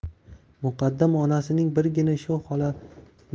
muqaddam onasining birgina shu nolasidan umr